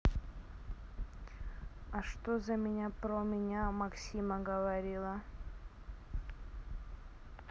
а что за про меня максима говорила